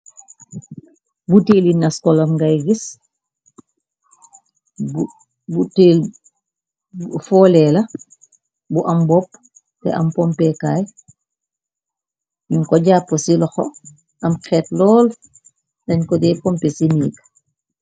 Buteel i nas kolam ngay gis fooleela bu am bopp te am pompeekaay ñu ko jàpp ci laxo am xeet lool dañ ko de pompe ci nik.